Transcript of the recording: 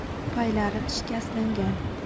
paylarim shikaslangan